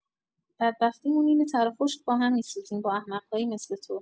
بدبختی‌مون اینه‌تر و خشک با هم می‌سوزیم با احمق‌هایی مثل تو